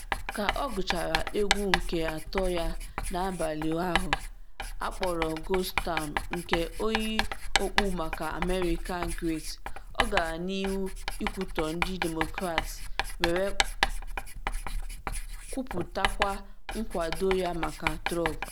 Ka ọ gụchara egwu nke atọ ya n’abalị ahụ, akpọrọ Ghost Town nke oyi okpu Make America Great, ọ gara n’ihu ikwutọ ndị Demokrat were kwuputakwa nkwado ya maka Trump.